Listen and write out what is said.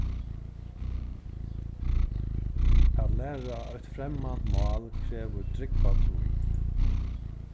at læra eitt fremmant mál krevur drúgva tíð